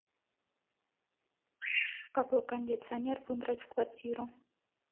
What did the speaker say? какой кондиционер выбрать в квартиру